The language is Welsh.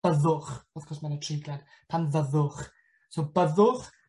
Byddwch. Wrth gwrs ma' 'na treiglad. Pan fyddwch. So byddwch